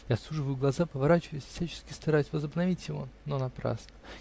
я суживаю глаза, поворачиваюсь, всячески стараюсь возобновить его, но напрасно.